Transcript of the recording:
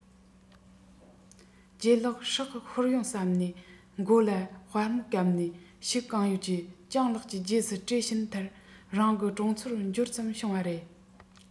ལྗད ལགས སྲོག ཤོར ཡོང བསམ ནས མགོ ལ སྦར མོ བཀབ ནས ཤུགས གང ཡོད ཀྱིས སྤྱང ལགས ཀྱི རྗེས སུ བྲོས ཕྱིན མཐར རང གི གྲོང ཚོར འབྱོར ཙམ བྱུང བ རེད